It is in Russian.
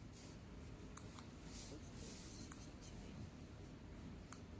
отсутствие посетителей